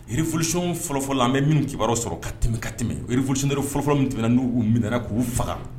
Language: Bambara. Yirifsion fɔlɔfɔlɔ la an bɛ min kibaruya sɔrɔ ka tɛmɛ ka tɛmɛfzsire fɔlɔfɔlɔ min tɛmɛn n'u b'u minɛɛna k'u faga